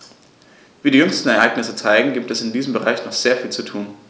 Wie die jüngsten Ereignisse zeigen, gibt es in diesem Bereich noch sehr viel zu tun.